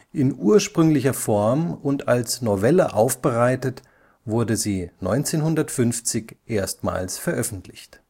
In ursprünglicher Form und als Novelle aufbereitet wurde sie 1950 erstmals veröffentlicht